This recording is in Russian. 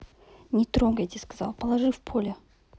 не трогайте сказал положи в поле